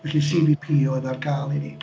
Felly CVP oedd ar gael i ni.